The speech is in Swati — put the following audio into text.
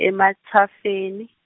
eMatsafeni.